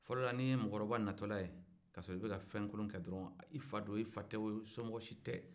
fɔlɔ la n'i ye mɔgɔkɔrɔba natɔ la ye ka sɔrɔ i bɛka fɛnkolon kɛ dɔrɔn i fa don i fa tɛ o i somɔgɔ si tɛ